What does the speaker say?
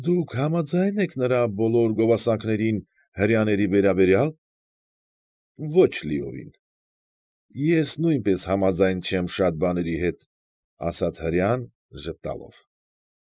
Դուք համաձա՞յն եք նրա բոլոր գովասանքներին հրեաների վերաբերյալ։ ֊ Ոչ լիովին։ ֊ Ես նույնպես համաձայն չեմ շատ բաների հետ,֊ ասաց հրեան ժպտալով։